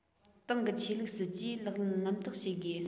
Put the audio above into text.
ཏང གི ཆོས ལུགས སྲིད ཇུས ལག ལེན རྣམ དག བྱེད དགོས